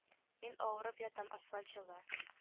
Мин авырып ятам асфальт җылы